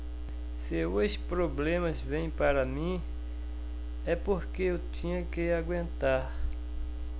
se os problemas vêm para mim é porque eu tinha que aguentar